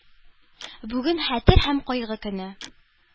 Бүген – Хәтер һәм кайгы көне.